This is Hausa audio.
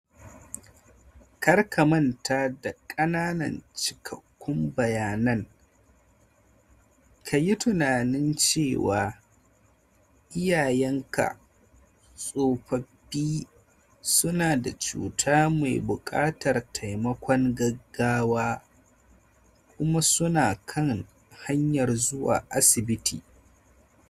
kar ka manta da kananan cikakkun bayanan: Ka yi tunanin cewa iyayen ka tsofaffi su na da cuta mai bukatar taimakon gaggawa kuma su na kan hanyar zuwa asibiti.